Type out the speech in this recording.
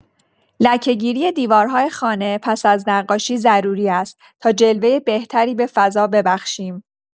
لکه‌گیری دیوارهای خانه پس از نقاشی ضروری است تا جلوۀ بهتری به فضا ببخشیم.